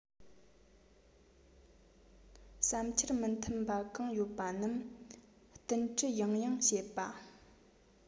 བསམ འཆར མི མཐུན པ གང ཡོད པ རྣམས བསྟུན དྲི ཡང ཡང བྱེད པ